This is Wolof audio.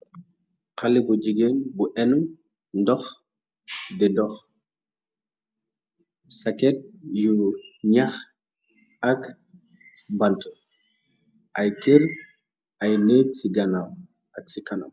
Xalibu jigéen bu inu ndox di dox saket yu ñax ak bant ay kër ay net ci ganaaw ak ci kanam.